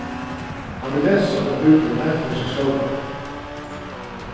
hann vil lesa í bíbliuni fyri seg sjálvan